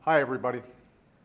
hai e ve ri bo đi